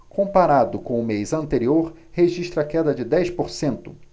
comparado com o mês anterior registra queda de dez por cento